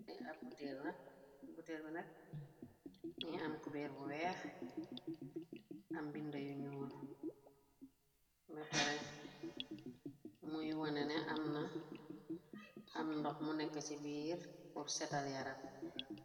Li ab butel bi nekk mi am ku beer bu weex am binda yu ñuu meppore muy wone ne am na am ndox mu nekk ci biir pur setal yaram.